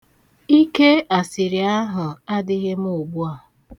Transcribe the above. Ike asịrị ahụ adịghị m ugbu a.